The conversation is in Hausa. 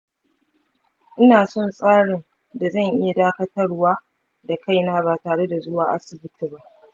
ina son tsarin da zan iya dakatarwa da kaina ba tare da zuwa asibiti ba.